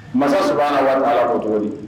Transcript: Mansa saba wari ala ko cogo di